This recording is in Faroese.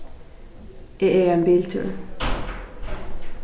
eg eri ein biltúr